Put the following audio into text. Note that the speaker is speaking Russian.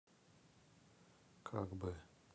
как бы